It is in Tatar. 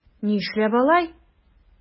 Нишләп алай?